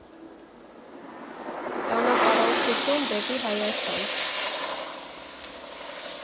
Ճանապարհորդություն դեպի Հայաստան։